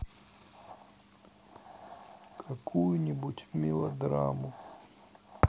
какую нибудь мелодраму